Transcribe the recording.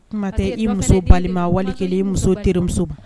Kuma tɛ i muso wali i muso terimuso